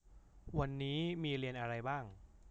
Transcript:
วันนี้มีเรียนอะไรบ้าง